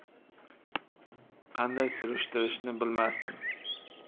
qanday surishtirishni bilmasdim